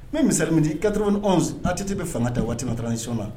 Mɛ mirimedi kator atiti bɛ fanga da waatima in sɔnɔn na